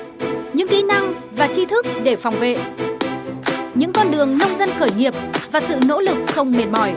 những kỹ năng và tri thức để phòng vệ những con đường nông dân khởi nghiệp và sự nỗ lực không mệt mỏi